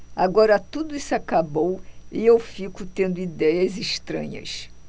agora tudo isso acabou e eu fico tendo idéias estranhas